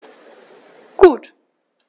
Gut.